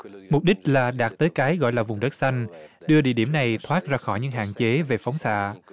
mục đích là đạt tới cái gọi là vùng đất xanh đưa địa điểm này thoát ra khỏi những hạn chế về phóng xạ